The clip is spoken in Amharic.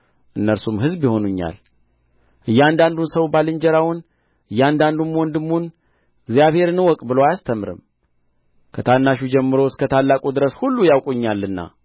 እነርሱም ሕዝብ ይሆኑኛል እያንዳንዱ ሰው ባልንጀራውን እያንዳንዱም ወንድሙን እግዚአብሔርን እወቅ ብሎ አያስተምርም ከታናሹ ጀምሮ እስከ ታላቁ ድረስ ሁሉ ያውቁኛልና